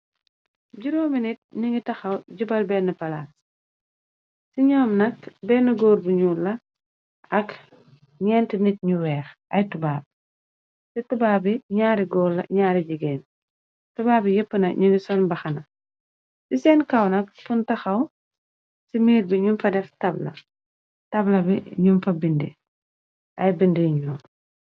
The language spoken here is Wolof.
Juroomi nit ñungi taxaw jiubal bena palaas ci ñooom nak bena góor bu ñuul la ak ñeent nit ñu weex ay tubaab ci tubaa bi ñaari góor la ñaari jigeen tubaa bi yépp nak ñungi sol mbaxana ci seen kaw nak fung taxaw ci miir bi ñyun fa def tabla tabla bi nyun fa bindi ay bindi yu nuul.